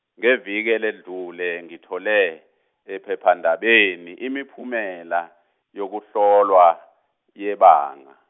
ngeviki eledlule ngithole, ephephandabeni imiphumela yokuhlolwa, yebanga.